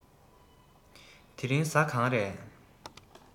དེ རིང གཟའ གང རས